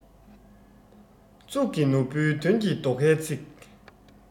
གཙུག གི ནོར བུ དོན གྱི རྡོ ཁའི ཚིག